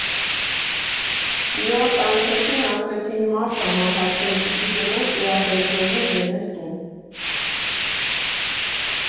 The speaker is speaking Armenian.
Մի օր կանչեցին, ասեցին՝ մարդ ա մահացել, պիտի գնաս դիահերձողին բերես տուն։